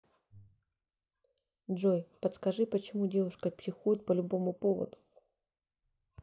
джой подскажи почему девушка психует по любому поводу